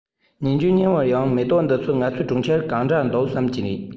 ཉིན རྒྱུན སྙིང པོར ཡོང མེ ཏོག འདི ཚོ ང ཚོས གྲོང ཁྱེར གང འདྲ འདུག བསམ གྱིན རེད